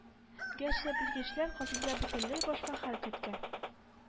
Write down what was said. Гәрчә белгечләр казанда бөтенләй башка хәл көткән